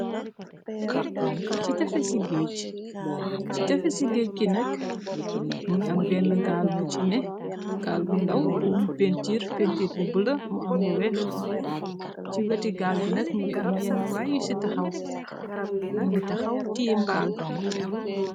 Chi teufesi geudggh, chi teufesi geudggh gui nak mungy am benah gaal bu chi neh, gaal bu ndaw buum peintur, peintur bu bleu, mu am lu wekh, chi weti gaal gui nak mungy am yehnah yy yu chi takhaw, njungy takhaw tiyeh mbaal.